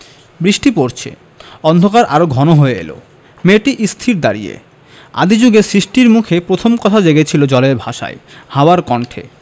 বৃষ্টি পরছে অন্ধকার আরো ঘন হয়ে এল মেয়েটি স্থির দাঁড়িয়ে আদি জুগে সৃষ্টির মুখে প্রথম কথা জেগেছিল জলের ভাষায় হাওয়ার কণ্ঠে